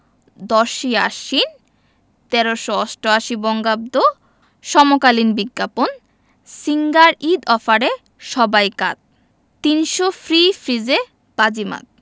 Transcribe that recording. ১০ই আশ্বিন ১৩৮৮ বঙ্গাব্দ সমকালীন বিজ্ঞাপন সিঙ্গার ঈদ অফারে সবাই কাত ৩০০ ফ্রি ফ্রিজে বাজিমাত